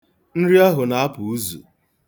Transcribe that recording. Nri ahụ na-ap̣ụ uzu.